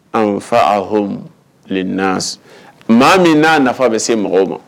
An fa ah maa min n'a nafa bɛ se mɔgɔw ma